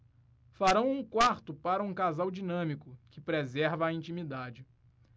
farão um quarto para um casal dinâmico que preserva a intimidade